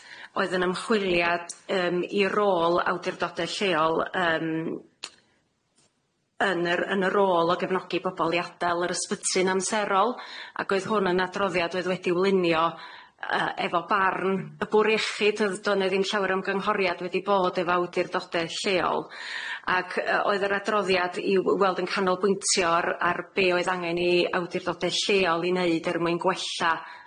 oedd yn ymchwiliad yym i rôl awdurdode lleol yym yn yr yn y rôl o gefnogi bobol i adel yr ysbyty'n amserol ac oedd hwn yn adroddiad oedd wedi'iw linio y- efo barn y bwr iechyd odd do' ne' ddim llawer ymgynghoriad wedi bod efo awdurdode lleol ac y- oedd yr adroddiad i w- weld yn canolbwyntio ar ar be' oedd angen i awdurdode lleol i neud er mwyn gwella'